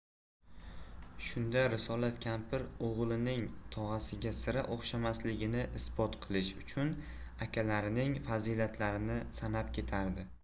shunda risolat kampir o'g'lining tog'asiga sira o'xshamasligini isbot qilish uchun akalarining fazilatlarini sanab ketardi